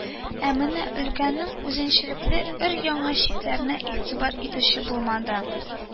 Ә менә өлкәнең ҮЗЕНЧӘЛЕКЛЕ өр- яңа чикләренә игътибар итүче булмады